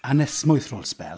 Anesmwyth 'rôl sbel.